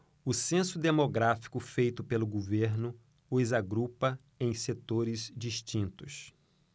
o censo demográfico feito pelo governo os agrupa em setores distintos